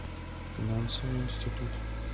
финансовый институт